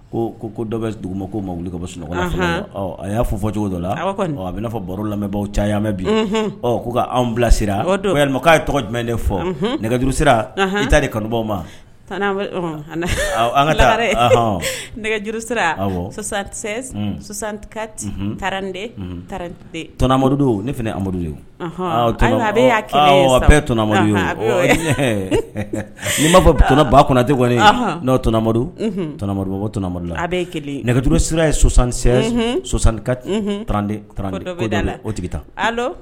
Ko ko dɔ bɛ dugu ma ko ma wuli ka bɔ sunɔgɔ a y'a fɔ cogo dɔ la a bɛna'a fɔ baro labaw caya mɛn bi ko' anw bilasirama ye tɔgɔ jumɛnlen fɔ nɛgɛjuru sira i ta de kanubaw ma ka nɛgɛjurusankatitete t amadudenw ne fana amadu bɛɛ tma n m'a fɔ tɔnɔ ba kunna n'o tma tma tma la a bɛ nɛgɛjuru sira ye sɔsansantirand la o tigi tan